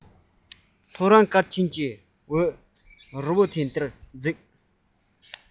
ཐོ རངས སྐར ཆེན གྱི འོད རབ རིབ རི བོ འདིར འཛེགས